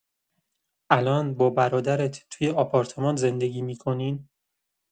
الان با برادرت توی آپارتمان زندگی می‌کنین؟